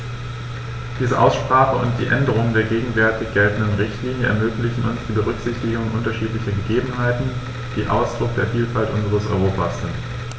Diese Aussprache und die Änderung der gegenwärtig geltenden Richtlinie ermöglichen uns die Berücksichtigung unterschiedlicher Gegebenheiten, die Ausdruck der Vielfalt unseres Europas sind.